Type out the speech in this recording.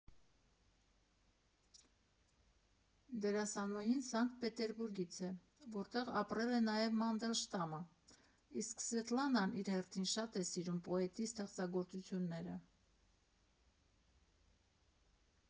Դերասանուհին Սանկտ Պետերբուրգից է, որտեղ ապրել է նաև Մանդելշտամը, իսկ Սվետլանան իր հերթին շատ է սիրում պոետի ստեղծագործությունները։